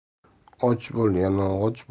och bo'l yalang'och